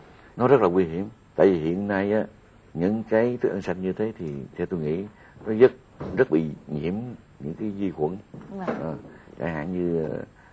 rất là nguy hiểm tại vì hiện nay á những cái thức ăn sạch như thế thì theo tôi nghĩ nó rất rất bị nhiễm những kí vi khuẩn chẳng hạn như